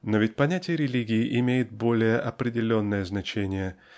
Но ведь понятие религии имеет более определенное значение